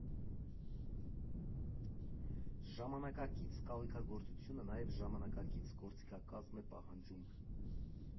Ժամանակակից կահույքագործությունը նաև ժամանակակից գործիքակազմ է պահանջում։